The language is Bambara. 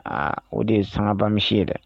Aa o de ye sangabamisi ye dɛ